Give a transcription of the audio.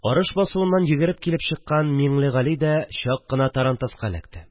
Арыш басуыннан йөгереп килеп чыккан Миңлегали дә чак кына тарантаска эләкте